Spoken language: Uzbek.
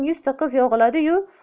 yuzta qiz yog'iladi yu